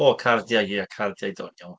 O, cardiau, ie, cardiau doniol.